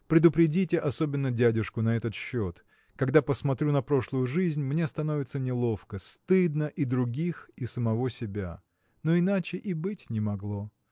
Предупредите особенно дядюшку на этот счет. Когда посмотрю на прошлую жизнь мне становится неловко стыдно и других и самого себя. Но иначе и быть не могло.